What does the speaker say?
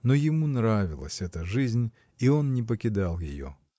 Но ему нравилась эта жизнь, и он не покидал ее.